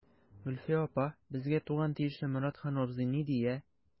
Гөлфия апа, безгә туган тиешле Моратхан абзый ни дия.